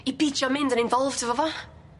I bijio mynd yn involved efo fo.